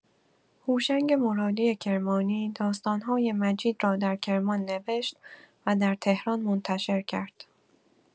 هوشنگ مرادی کرمانی داستان‌های مجید را در کرمان نوشت و در تهران منتشر کرد.